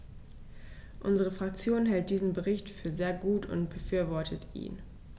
Unsere Fraktion hält diesen Bericht für sehr gut und befürwortet ihn.